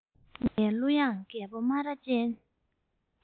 ངའི གླུ དབྱངས རྒད པོ སྨ ར ཅན